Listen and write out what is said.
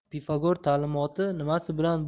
pifagor ta'limoti nimasi bilan